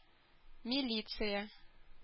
Милиция